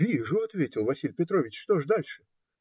- Вижу, - ответил Василий Петрович: - что же дальше?